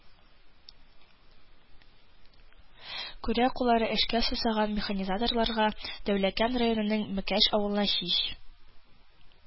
Күрә куллары эшкә сусаган механизаторларга дәүләкән районының мәкәш авылына һич